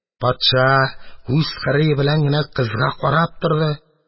Патша күз кырые белән генә кызга карап торды.